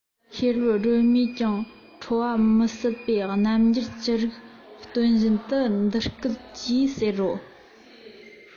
ཤེས རབ སྒྲོལ མས ཀྱང ཁྲོ བ མི ཟད པའི རྣམ འགྱུར ཅི རིགས སྟོན བཞིན དུ འདི སྐད ཅེས ཟེར རོ